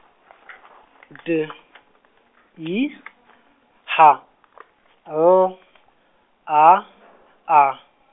D, I, H, L, A, A.